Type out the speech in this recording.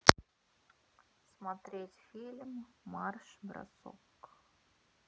смотреть фильм марш бросок